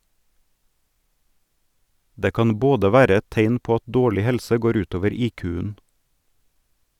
Det kan både være et tegn på at dårlig helse går utover IQ-en.